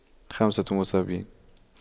خمسة مصابين